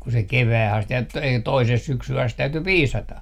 kun se kevääseen asti -- toiseen syksyyn asti täytyi piisata